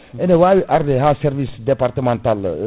ene wawi arde ha service départemental